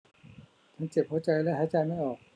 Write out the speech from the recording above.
ฉันเจ็บหัวใจและหายใจไม่ออก